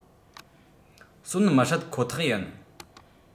གསོན མི སྲིད ཁོ ཐག ཡིན